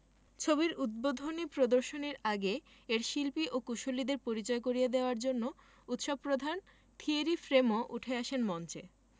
ছবির উদ্বোধনী প্রদর্শনীর আগে এর শিল্পী ও কুশলীদের পরিচয় করিয়ে দেওয়ার জন্য উৎসব প্রধান থিয়েরি ফ্রেমো উঠে আসেন মঞ্চে